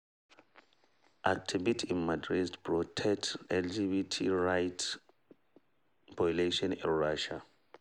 Activists in Madrid protest LGBT rights violations in Russia